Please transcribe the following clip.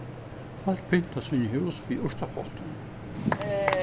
fólk pynta síni hús við urtapottum